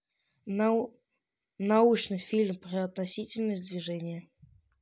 научный фильм про относительность движения